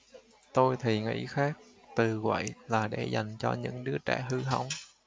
tôi thì nghĩ khác từ quậy là để dành cho những đứa trẻ hư hỏng